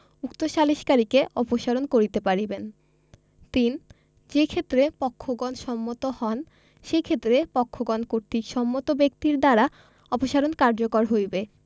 উক্ত সালিসকারীকে অপসারণ করিতে পারিবেন ৩ যেই ক্ষেত্রে পক্ষগণ সম্মত হন সেই ক্ষেত্রে পক্ষগণ কর্তৃক সম্মত ব্যক্তির দ্বারা অপসারণ কার্যকর হইবে